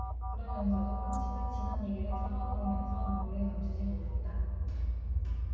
그러면서도 황씨는 지난 얘기를 털어놓으면서 눈물을 감추지 못했다